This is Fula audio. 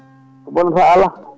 ko bonata ala